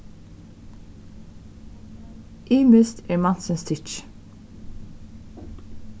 ymiskt er mansins tykki